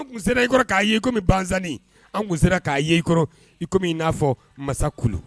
U kun sera i kɔrɔ ka ye kɔmi banzannni. An kun sera ka ye i kɔrɔ i komi i nafɔ masakulu